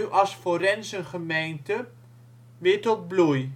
als forenzengemeente, weer tot bloei